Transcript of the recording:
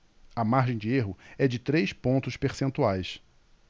a margem de erro é de três pontos percentuais